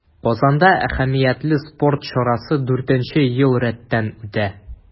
Казанда әһәмиятле спорт чарасы дүртенче ел рәттән үтә.